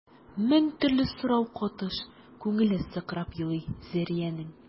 Мең төрле сорау катыш күңеле сыкрап елый Зәриянең.